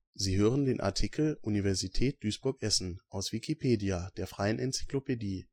Sie hören den Artikel Universität Duisburg-Essen, aus Wikipedia, der freien Enzyklopädie